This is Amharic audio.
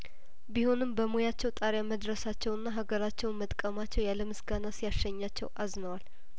ቢሆንም በሙያቸው ጣሪያ መድረሳቸውና ሀገራቸውን መጥ ቀማቸው ያለምስጋና ሲያሸኛቸው አዝነዋል